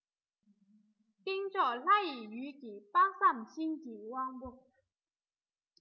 སྟེང ཕྱོགས ལྷ ཡི ཡུལ གྱི དཔག བསམ ཤིང གི དབང པོ